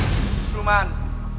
su man